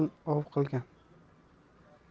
uchun ov qilgan